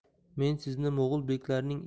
men sizni mo'g'ul beklarining